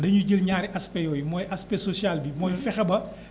dañuy jël ñaari aspects yooyu mooy aspect social bi mooy fexe ba